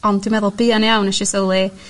ond dwi meddwl buan iawn neshi sylwi